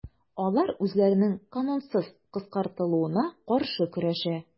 Алар үзләренең канунсыз кыскартылуына каршы көрәшә.